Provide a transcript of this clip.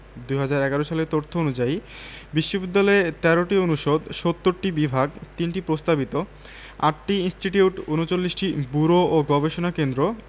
২০১১ সালের তর্থ অনুযায়ী বিশ্ববিদ্যালয়ে ১৩টি অনুষদ ৭০টি বিভাগ ৩টি প্রস্তাবিত ৮টি ইনস্টিটিউট ৩৯টি ব্যুরো ও গবেষণা কেন্দ্র